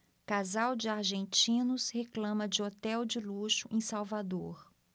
casal de argentinos reclama de hotel de luxo em salvador